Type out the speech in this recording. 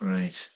Reit.